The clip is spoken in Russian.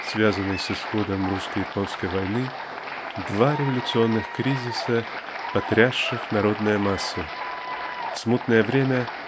связанной с исходом русско-японской войны два революционных кризиса потрясших народные массы смутное время